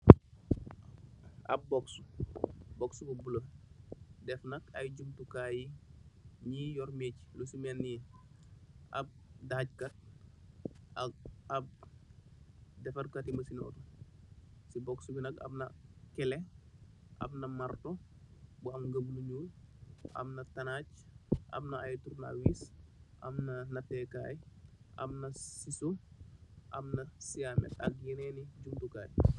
Ab bogsu, bogsu bu bula, def nak ay jumtukaay yi nyi yor mecce, nyu si melni, ab daajkat, ak ab defarkat ti masini ooto, si bogsu bi nak amna kele, amna marto bu am gebu lu nyuul, amna tanaaj, amna ay turnawees, amna natekaay, amna siiso, amna siyamet ak yennen ni jumtukaay.